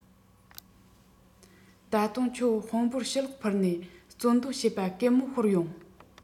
ད དུང ཁྱོད དཔོན པོར ཞུ ལོག ཕུལ ནས རྩོད འདོད བྱེད པ གད མོ ཤོར ཡོང